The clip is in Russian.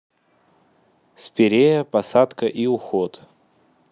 спирея посадка и уход